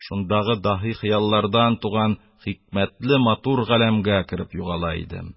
Шундагы даһи хыяллардан туган хикмәтле, матур галәмгә кереп югала идем.